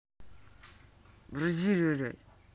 бразилия блядь